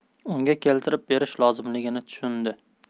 unga keltirib berish lozimligini tushundi